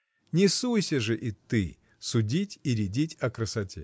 Не суйся же и ты судить и рядить о красоте.